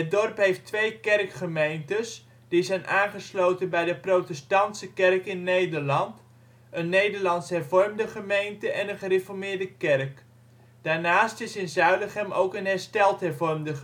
dorp heeft twee kerkgemeentes die zijn aangesloten bij de Protestantse Kerk in Nederland: een Nederlands-hervormde Gemeente en een Gereformeerde Kerk. Daarnaast is in Zuilichem ook een Hersteld Hervormde